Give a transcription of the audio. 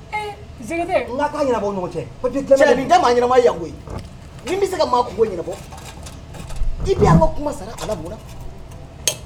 Ɲɛnabɔ cɛ ɲɛna yago min bɛ se ka maa ɲɛnakɔ kuma sara ala bɔra